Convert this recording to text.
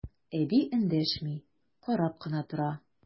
Әби эндәшми, карап кына тора.